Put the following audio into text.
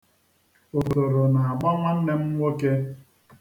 Otoro na-agba nwanne m nwoke.